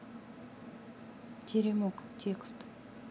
теремок текст